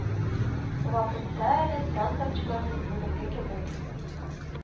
Вакытта әле тән сакчыларының бүгенге кебек